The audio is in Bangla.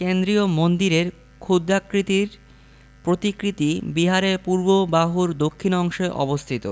কেন্দ্রীয় মন্দিরের ক্ষুদ্রাকৃতির প্রতিকৃতি বিহারের পূর্ব বাহুর দক্ষিণ অংশে অবস্থিত